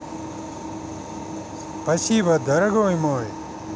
спасибо дорогой мой